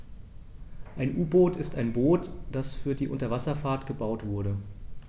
Ein U-Boot ist ein Boot, das für die Unterwasserfahrt gebaut wurde.